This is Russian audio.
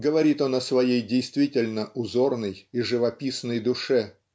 говорит он о своей действительно узорной и живописной душе.